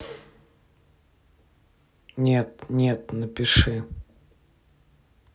нет нет напиши